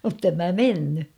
mutta en minä mennyt